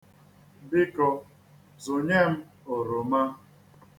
Biko zụnye m oroma.